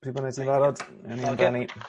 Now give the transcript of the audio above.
Pry bynnag ti'n barod ewn ni amdani.